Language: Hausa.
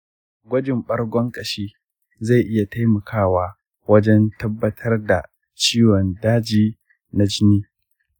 gwajin bargon kashi zai iya taimakawa wajen tabbatar da ciwon daji na jini.